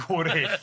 Gŵr hyll!